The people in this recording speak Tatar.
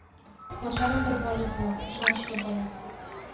Үзенең йөзү стартында ул беренче килде.